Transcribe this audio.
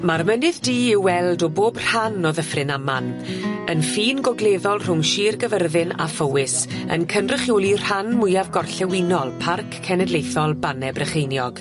Ma'r Mynydd Du i'w weld o bob rhan o Ddyffryn Aman yn ffin gogleddol rhwng Shir Gyfyrddin a Phowys yn cynrychioli rhan mwyaf gorllewinol Parc Cenedlaethol Banne Brycheiniog.